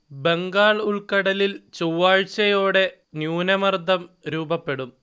ബംഗാൾ ഉൾക്കടലിൽ ചൊവ്വാഴ്ചയോടെ ന്യൂനമർദം രൂപപ്പെടും